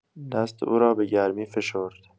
دست او را به گرمی فشرد.